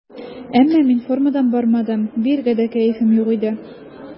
Әмма мин формадан бардым, биергә дә кәеф юк иде.